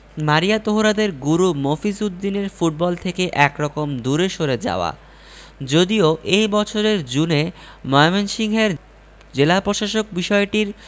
মারিয়া তহুরাদের গুরু মফিজ উদ্দিনের ফুটবল থেকে একরকম দূরে সরে যাওয়া যদিও এ বছরের জুনে ময়মনসিংহের জেলা প্রশাসক বিষয়টির